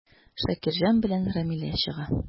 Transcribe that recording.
Шакирҗан белән Рамилә чыга.